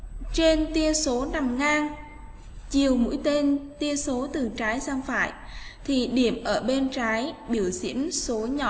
trên tia số nằm ngang chiều mũi tên tia số từ trái sang phải thì điểm ở bên trái biểu diễn số nhỏ